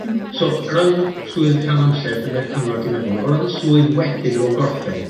So o rann swydd rhan amser dyne'r cyngor dwi meddwl o ran swydd wedyn ar ôl gorffen